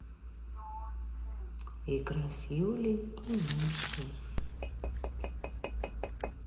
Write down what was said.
игра с юлей и мишкой